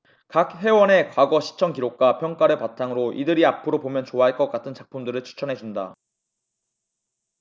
각 회원의 과거 시청 기록과 평가를 바탕으로 이들이 앞으로 보면 좋아할 것 같은 작품들을 추천해 준다